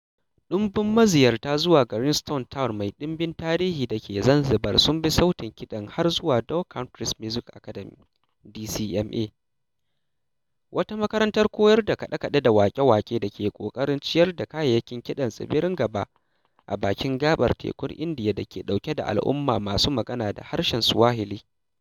Dubunnan maziyarta zuwa garin Stone Town mai ɗimbin tarihi da ke Zanzibar sun bi sautin kiɗan har zuwa Dhow Countries Music Academy (DCMA), wata makarantar koyar da kaɗe-kaɗe da waƙe-waƙe da ke ƙoƙarin ciyar da kayayyakin kiɗan tsibirin gaba a bakin gaɓar Tekun Indiya da ke dauke da al'umma masu magana da harshen Swahili.